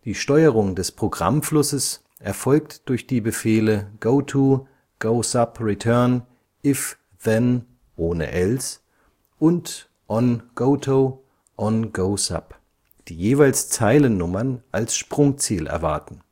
Steuerung des Programmflusses erfolgt durch die Befehle GOTO, GOSUB/RETURN, IF…THEN (ohne ELSE) und ON…GOTO/ON…GOSUB, die jeweils Zeilennummern als Sprungziel erwarten